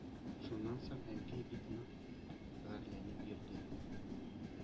Шуннан соң Әнкәй бик нык гарьләнеп йөрде,